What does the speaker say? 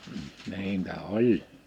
niitä oli